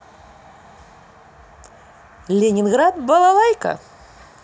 ленинград балалайка